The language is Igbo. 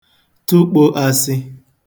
tụkpō āsị̄